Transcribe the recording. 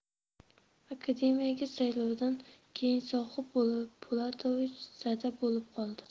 akademiyaga saylovdan keyin sohib po'latovich zada bo'lib qoldi